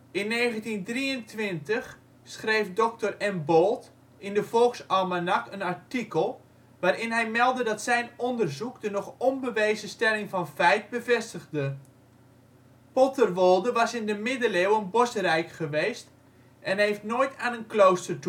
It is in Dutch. In 1923 schreef Dr.M. Bolt in de Volksalmanak een artikel waarin hij meldde dat zijn onderzoek de nog onbewezen stelling van Feith bevestigde. Potterwolde was in de middeleeuwen bosrijk geweest en heeft nooit aan een klooster